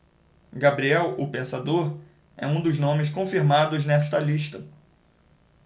gabriel o pensador é um dos nomes confirmados nesta lista